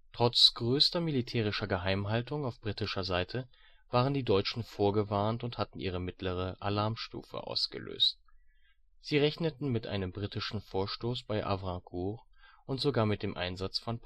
Trotz größter militärischer Geheimhaltung auf britischer Seite waren die Deutschen vorgewarnt und hatten ihre mittlere Alarmstufe ausgelöst. Sie rechneten mit einem britischen Vorstoß bei Havrincourt und sogar mit dem Einsatz von